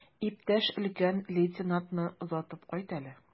Иптәш өлкән лейтенантны озатып кайт әле.